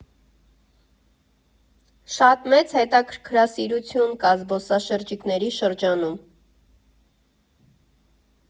Շատ մեծ հետաքրքրասիրություն կա զբոսաշրջիկների շրջանում։